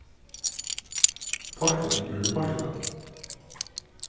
portvín er úr portugal